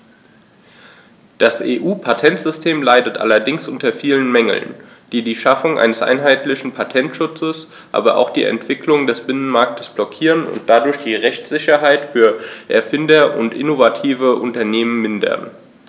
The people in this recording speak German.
Das EU-Patentsystem leidet allerdings unter vielen Mängeln, die die Schaffung eines einheitlichen Patentschutzes, aber auch die Entwicklung des Binnenmarktes blockieren und dadurch die Rechtssicherheit für Erfinder und innovative Unternehmen mindern.